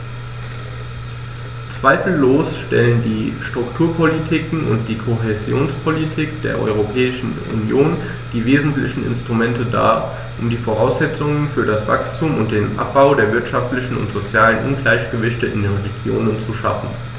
Zweifellos stellen die Strukturpolitiken und die Kohäsionspolitik der Europäischen Union die wesentlichen Instrumente dar, um die Voraussetzungen für das Wachstum und den Abbau der wirtschaftlichen und sozialen Ungleichgewichte in den Regionen zu schaffen.